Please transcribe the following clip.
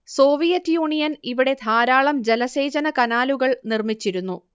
Soviet Union ഇവിടെ ധാരാളം ജലസേചന കനാലുകൾ നിർമ്മിച്ചിരുന്നു